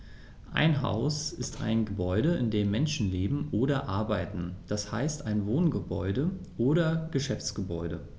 Ein Haus ist ein Gebäude, in dem Menschen leben oder arbeiten, d. h. ein Wohngebäude oder Geschäftsgebäude.